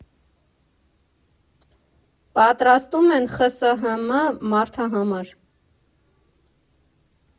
Պատրաստում են ԽՍՀՄ մարդահամար։